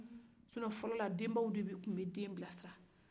ni o tɛ fɔlɔla denbaw de tun bɛ den bilasirala